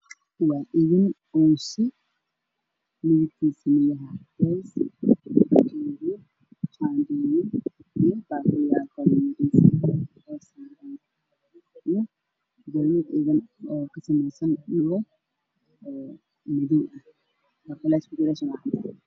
Waxaa ii muuqda saddex koob oo sharax lagu xabo iyo tarmuud shaaha iyo dabqaad iyo qaadooyin